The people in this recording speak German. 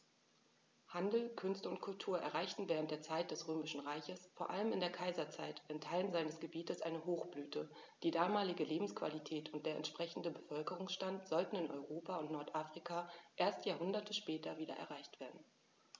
Handel, Künste und Kultur erreichten während der Zeit des Römischen Reiches, vor allem in der Kaiserzeit, in Teilen seines Gebietes eine Hochblüte, die damalige Lebensqualität und der entsprechende Bevölkerungsstand sollten in Europa und Nordafrika erst Jahrhunderte später wieder erreicht werden.